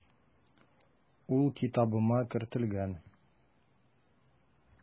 Ул китабыма кертелгән.